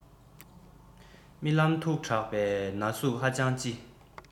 རྨི ལམ མཐུགས དྲགས པས ན ཟུག ཧ ཅང ལྕི